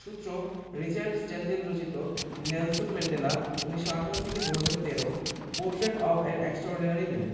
সূত্র Richard Stengel রচিত Nelson Mandela ১৯১৮ থেকে ২০১৩ portrait of an extraordinary man